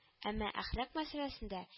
Әмма әхлак мәсьәләсендә